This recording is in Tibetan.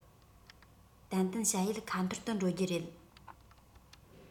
ཏན ཏན བྱ ཡུལ ཁ ཐོར དུ འགྲོ རྒྱུ རེད